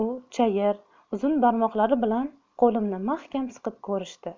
u chayir uzun barmoqlari bilan qo'limni mahkam siqib ko'rishdi